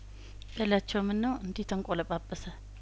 በላቸው ምነው እንዲህ ተንቆለጳጰሰ